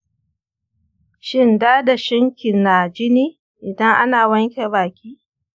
shin dadashin ki na jini idan a na wanke baki?